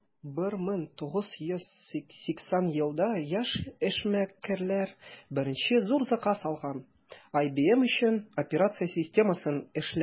1980 елда яшь эшмәкәрләр беренче зур заказ алган - ibm өчен операция системасын эшләү.